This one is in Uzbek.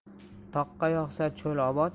toqqa yog'sa cho'l obod